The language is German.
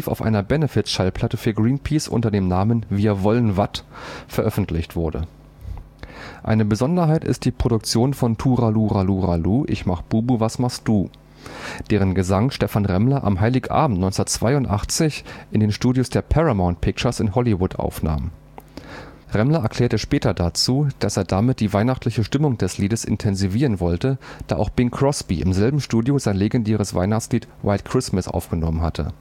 auf einer Benefiz-Schallplatte für Greenpeace unter dem Namen „ Wir wolln Watt “veröffentlicht wurde. Eine Besonderheit ist die Produktion von „ Turaluraluralu – Ich mach BuBu was machst du “, deren Gesang Stephan Remmler am Heiligabend 1982 in den Studios der Paramount Pictures in Hollywood aufnahm. Remmler erklärte später dazu, dass er damit die weihnachtliche Stimmung des Liedes intensivieren wollte, da auch Bing Crosby im selben Studio sein legendäres Weihnachtslied White Christmas aufgenommen hatte